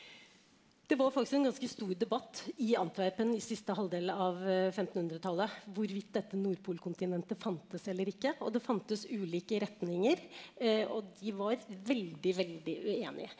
det var faktisk en ganske stor debatt i Antwerpen i siste halvdel av femtenhundretallet hvorvidt dette Nordpolkontinentet fantes eller ikke, og det fantes ulike retninger og de var veldig veldig uenige.